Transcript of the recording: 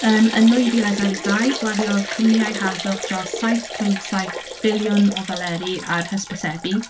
Yym, yn nwy fil a dau ddeg dau gwariodd cwmnïau harddwch dros saith pwynt saith biliwn o ddoleri ar hysbysebu.